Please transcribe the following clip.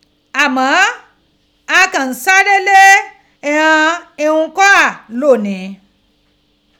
Amọ, a kan n sare le ighan ighun ko gha lonii.